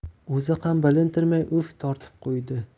o'zi ham bilintirmay uf tortib qo'ydi